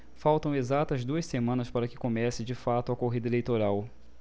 faltam exatas duas semanas para que comece de fato a corrida eleitoral